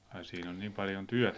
ai siinä on niin paljon työtä